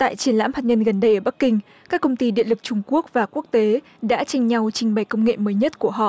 tại triển lãm hạt nhân gần đây bắc kinh các công ty điện lực trung quốc và quốc tế đã tranh nhau trình bày công nghệ mới nhất của họ